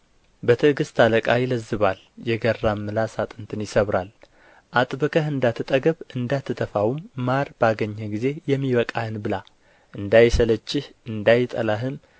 በትዕግሥት አለቃ ይለዝባል የገራም ምላስ አጥንትን ይሰብራል አጥብቀህ እንዳትጠግብ እንዳትተፋውም ማር ባገኘህ ጊዜ የሚበቃህን ብላ እንዳይሰለችህ እንዳይጠላህም